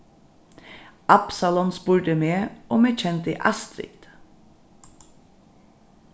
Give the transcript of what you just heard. absalon spurdi meg um eg kendi astrid